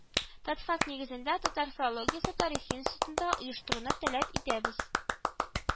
Татфак нигезендә татар филологиясе, тарихы институтында оештыруны таләп итәбез